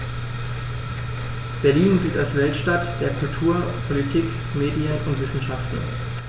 Berlin gilt als Weltstadt der Kultur, Politik, Medien und Wissenschaften.